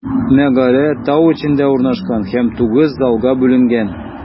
Мәгарә тау эчендә урнашкан һәм тугыз залга бүленгән.